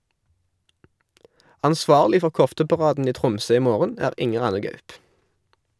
Ansvarlig for kofteparaden i Tromsø i morgen er Inger Anne Gaup.